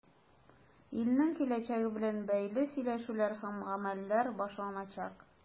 Илнең киләчәге белән бәйле сөйләшүләр һәм гамәлләр башланачак.